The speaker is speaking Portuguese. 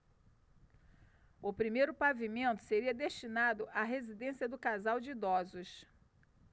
o primeiro pavimento seria destinado à residência do casal de idosos